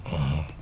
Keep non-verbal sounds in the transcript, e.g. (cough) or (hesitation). (hesitation) (hesitation)